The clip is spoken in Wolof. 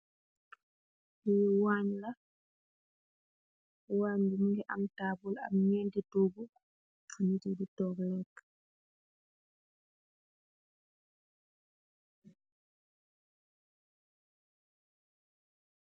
La waañ la, waañ bi mu ngi am tabull ak ñetti tohgu , fú nit ñgi di tóóg lekk.